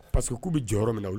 Pari que k'u bɛ jɔ yɔrɔ min na